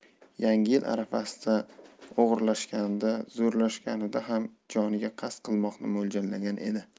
yangi yil arafasida o'g'irlashganida zo'rlashganida ham joniga qasd qilmoqni mo'ljallagan edi